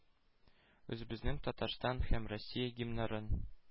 Үзебезнең татарстан һәм россия гимннарын